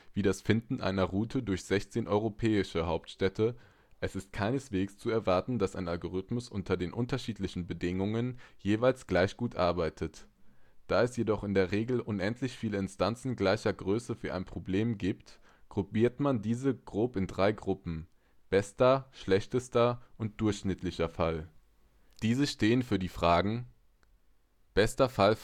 wie das Finden einer Route durch 16 europäische Hauptstädte. Es ist keineswegs zu erwarten, dass ein Algorithmus unter den unterschiedlichen Bedingungen (selbst bei gleicher Problemgröße) jeweils gleich gut arbeitet. Da es jedoch in der Regel unendlich viele Instanzen gleicher Größe für ein Problem gibt, gruppiert man diese zumeist grob in drei Gruppen: bester, schlechtester und durchschnittlicher Fall. Diese stehen für die Fragen: Bester Fall